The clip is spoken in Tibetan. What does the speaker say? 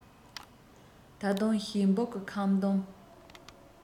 ད དུང ཞིང སྦུག གི ཁམ སྡོང